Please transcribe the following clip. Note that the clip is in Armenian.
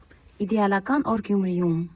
Իդեալական օր Գյումրիում։